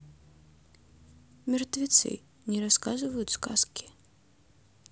мертвецы не рассказывают сказки